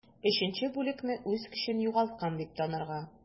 3 бүлекне үз көчен югалткан дип танырга.